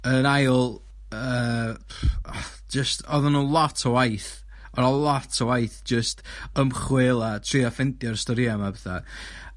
yn ail yy jyst oedden nw lot o waith o' 'na lot o waith jyst ymchwil a trio ffeindio'r storïa 'ma a petha